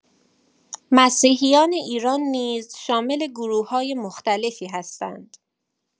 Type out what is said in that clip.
مسیحیان ایران نیز شامل گروه‌های مختلفی هستند؛